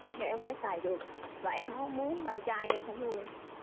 thì em phải xài được và em không muốn bạn trai em phải nuôi em